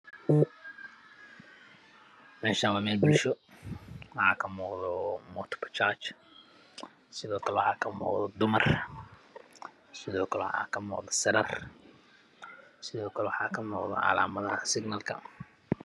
Mashan waa mel bulsho wax kamuqdo moto Bajaj iyo dumar iyo sarar